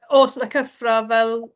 Oes 'na cyffro fel...?